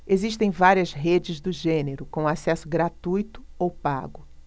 existem várias redes do gênero com acesso gratuito ou pago